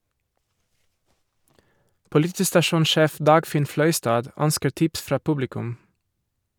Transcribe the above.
Politistasjonssjef Dagfinn Fløystad ønsker tips fra publikum.